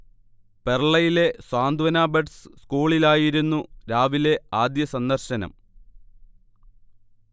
പെർളയിലെ Santhwana buds സ്കൂളിലായിരുന്നു രാവിലെ ആദ്യ സന്ദർശനം